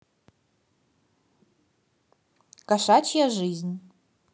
кошачья жизнь